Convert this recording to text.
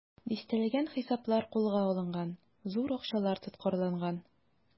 Дистәләгән хисаплар кулга алынган, зур акчалар тоткарланган.